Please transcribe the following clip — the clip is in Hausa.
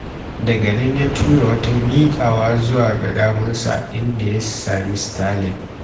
Daga nan ya tura wata miƙawa zuwa ga damansa, inda ya sami Sterling.